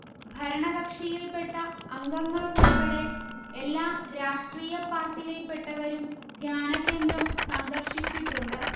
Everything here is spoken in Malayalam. ഭരണകക്ഷിയിൽപ്പെട്ട അംഗങ്ങൾക്കുൾപ്പെടെ എല്ലാ രാഷ്ട്രീയ പാർട്ടിയിൽപ്പെട്ടവരും ധ്യാനകേന്ദ്രം സന്ദർശിച്ചിട്ടുണ്ട്